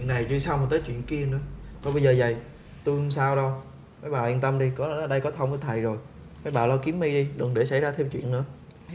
này chưa xong tới chuyện kia nữa thôi bây giờ vầy tui không sao đâu mấy bà yên tâm đi ở đây có thông có thầy rồi mấy bà lo kiếm mi đi đừng để xảy ra thêm chuyện nữa